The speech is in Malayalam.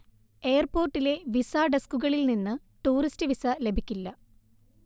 എയർപോര്ട്ടിലെ വിസാ ഡെസ്കുകളിൽ നിന്ന് ടൂറിസ്റ്റ് വിസ ലഭിക്കില്ല